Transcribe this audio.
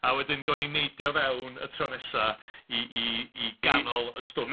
A wedyn gawn ni neidio fewn y tro nesa' i... i... i ganol y stwff.